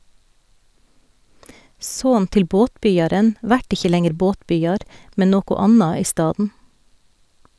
Son til båtbyggjaren vert ikkje lenger båtbyggjar, men noko anna i staden.